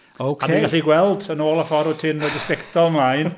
OK... A dwi'n gallu gweld, yn ôl ffordd wyt ti'n rhoi dy sbectol ymlaen...